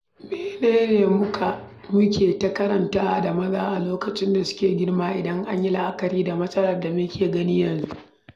Mene ne muke ta karantar da maza a lokacin da suke girma, idan an yi la’akari da matsalar da muke gani yanzu?'